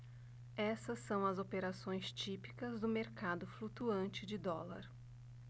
essas são as operações típicas do mercado flutuante de dólar